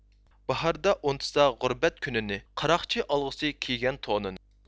باھاردا ئۇنتۇسا غۇربەت كۈنىنى قاراقچى ئالغۈسى كىيگەن تونىنى